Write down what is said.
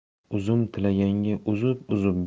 uzum tilaganga uzib uzib